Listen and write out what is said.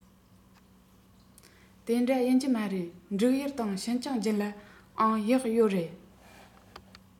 དེ འདྲ ཡིན གྱི མ རེད འབྲུག ཡུལ དང ཤིན ཅང རྒྱུད ལ ཡང གཡག ཡོད རེད